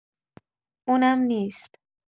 اونم مقصر نیست